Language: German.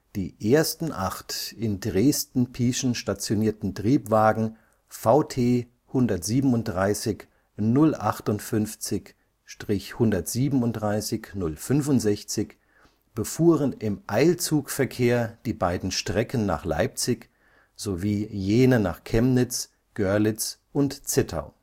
Die ersten acht in Dresden-Pieschen stationierten Triebwagen VT 137 058 – 137 065 befuhren im Eilzugverkehr die beiden Strecken nach Leipzig sowie jene nach Chemnitz, Görlitz und Zittau